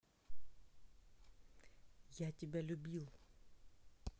я тебя любил